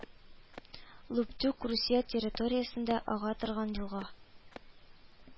Луптюг Русия территориясеннән ага торган елга